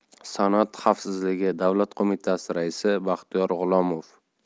sanoat xavfsizligi davlat qo'mitasi raisi baxtiyor g'ulomov